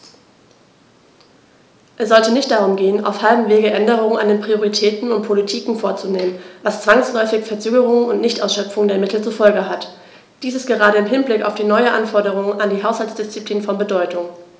Es sollte nicht darum gehen, auf halbem Wege Änderungen an den Prioritäten und Politiken vorzunehmen, was zwangsläufig Verzögerungen und Nichtausschöpfung der Mittel zur Folge hat. Dies ist gerade im Hinblick auf die neuen Anforderungen an die Haushaltsdisziplin von Bedeutung.